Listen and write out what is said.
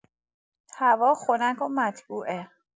هوا خنک و مطبوعه.